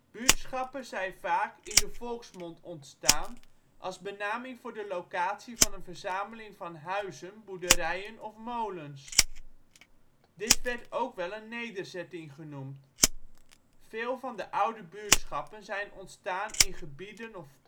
Buurtschappen zijn vaak in de volksmond ontstaan, als benaming voor de locatie van een verzameling van huizen, boerderijen of molens. Dit werd ook wel een nederzetting genoemd. Veel van de oude buurtschappen zijn ontstaan in gebieden/polders